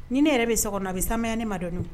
Ni ne yɛrɛ bɛ so kɔnɔ bɛ saya ne madɔnɔnin